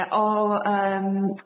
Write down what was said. Oa oh ymm